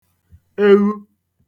eghu